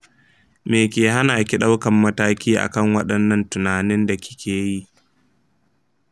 me ke hanaki ɗaukan mataki akan waɗannan tunanin da kike yi?